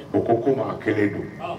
U ko ko maa kelen don